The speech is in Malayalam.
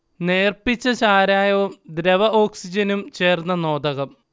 നേർപ്പിച്ച ചാരായവും ദ്രവ ഓക്സിജനും ചേർന്ന നോദകം